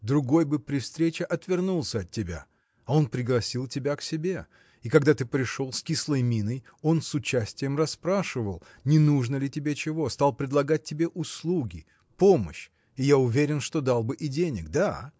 другой бы при встрече отвернулся от тебя а он пригласил тебя к себе и когда ты пришел с кислой миной он с участием расспрашивал не нужно ли тебе чего стал предлагать тебе услуги помощь и я уверен что дал бы и денег – да!